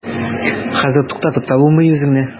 Хәзер туктатып та булмый үзеңне.